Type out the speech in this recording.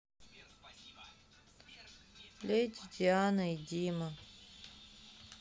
леди диана и дима